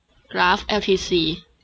กราฟแอลทีซี